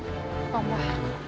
vòng qua